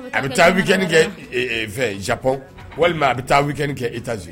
A bɛ taa kɛ kɛ fɛ japɔn walima a bɛ taa wuli kɛi kɛ e taaz